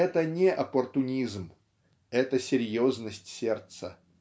Это не оппортунизм: это - серьезность сердца.